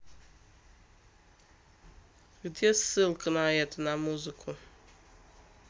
где ссылка на это на музыку